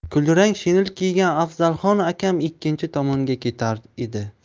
kulrang shinel kiygan afzalxon akam ikkinchi tomonga ketar edi